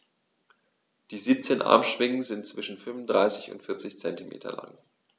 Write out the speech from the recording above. Die 17 Armschwingen sind zwischen 35 und 40 cm lang.